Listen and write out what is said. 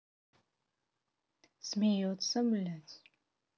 смеется блядь